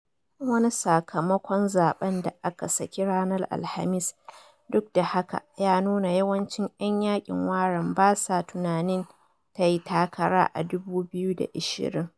Wani sakamakon zabe da aka saki ranar Alhamis, duk da haka, ya nuna yawancin ‘yan yankin Warren basa tunanin tayi takara a 2020.